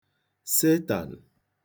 setàǹ